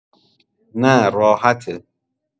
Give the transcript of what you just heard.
نه راحته